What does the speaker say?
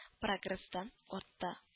Прогресстан артта